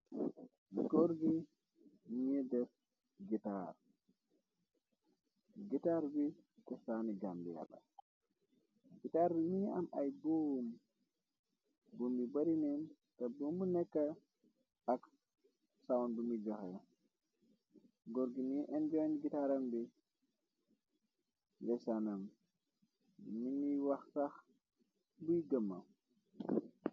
grgi def gitar gitaar bi tusani gambi gitarbi mugi am ay boumu boumu Yi barinen wy boumu busi nek ak lumoi wax gorgi mugi yake popam ci gitaramgi ndaysanam mugi wax sax loui jaman